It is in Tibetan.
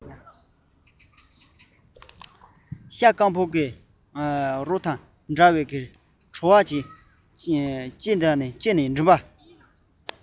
ཤ སྐམ གྱི རོ དང འདྲ བའི བྲོ བ ལྕེ ལེབ ནས མགྲིན པ